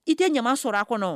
I tɛ ɲama sɔrɔ a kɔnɔ